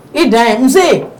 I dan yen, n' se.